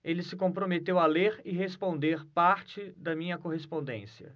ele se comprometeu a ler e responder parte da minha correspondência